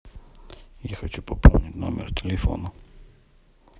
я хочу пополнить номер телефона здесь